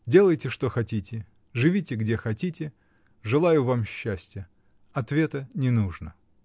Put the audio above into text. Делайте что хотите; живите где хотите. Желаю вам счастья. Ответа не нужно".